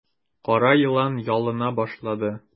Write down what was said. Кара елан ялына башлады.